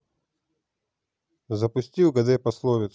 запусти угадай пословицу